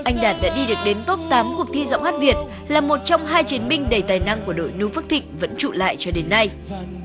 anh đạt đã đi được đến tốp tám cuộc thi giọng hát việt là một trong hai chiến binh đầy tài năng của đội nu phước thịnh vẫn trụ lại cho đến nay